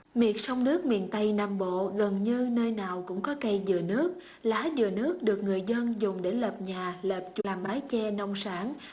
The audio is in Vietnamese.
miệt sông nước miền tây nam bộ gần như nơi nào cũng có cây dừa nước lá dừa nước được người dân dùng để lợp nhà lợp làm mái che nông sản